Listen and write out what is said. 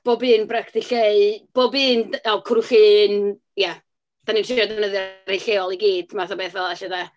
Bob un Bragdy Lleu, bob un d- o, Cwrw Llŷn. Ia, dan ni'n trio defnyddio rhai lleol i gyd math o beth fela 'lly de.